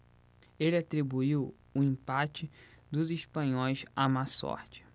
ele atribuiu o empate dos espanhóis à má sorte